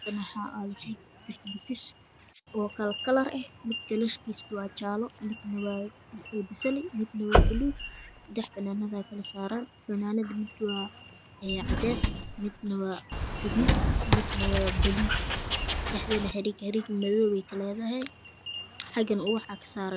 Halkan waa yalo bukus kalar waa jale iyo oraji iyo baluug waxaa dulsar sedx fananad kalar kode waa baluug calan iyo garay iyo baar